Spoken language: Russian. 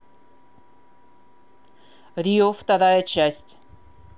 рио вторая часть